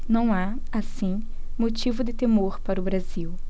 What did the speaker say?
não há assim motivo de temor para o brasil